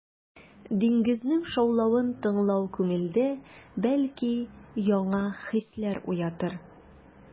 Диңгезнең шаулавын тыңлау күңелдә, бәлки, яңа хисләр уятыр.